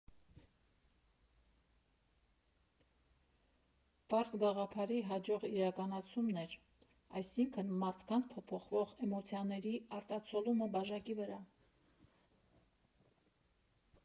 Պարզ գաղափարի հաջող իրականացումն էր՝ այսինքն, մարդկանց փոփոխվող էմոցիաների արտացոլումը բաժակի վրա։